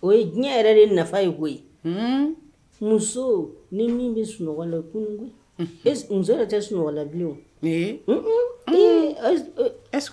O ye diɲɛ yɛrɛ de nafa ye ko ye muso ni min bɛ sunɔgɔla kunun muso yɛrɛ tɛ sunɔgɔla bilen